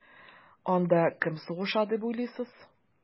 Анда кем сугыша дип уйлыйсыз?